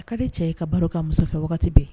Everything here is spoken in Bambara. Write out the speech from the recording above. A kaale cɛ ye ka baro ka muso fɛ bɛɛ